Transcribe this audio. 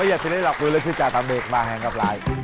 bây giờ thì lê lộc quyền linh xin chào tạm biệt và hẹn gặp